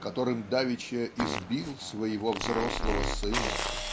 которым давеча избил своего взрослого сына.